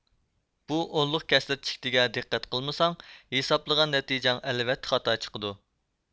بۇ ئونلۇق كەسىر چېكىتىگە دىققەت قىلمىساڭ ھېسابلىغان نەتىجەڭ ئەلۋەتتە خاتا چىقىدۇ